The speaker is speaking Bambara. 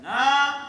Han